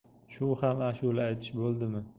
shu ham ashula aytish bo'ldimi